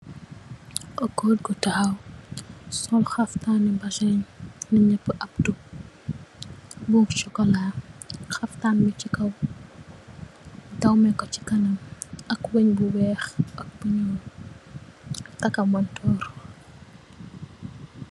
Ab goor bu taxaw sol xaftanu mbazen bu neeti abdou bu cxocola xaftan bi si kaw dawme ko si kanam ak woon bu weex ak bu nuul taka monturr.